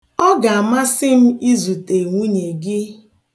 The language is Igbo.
Ọ ga-amasị m izute nwunye gị.